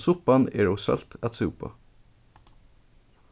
suppan er ov sølt at súpa